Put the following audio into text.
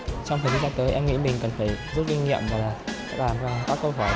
trong phần thi sắp tới em nghĩ mình cần phải rút kinh nghiệm làm các câu hỏi